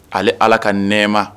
Ale ala ka nɛma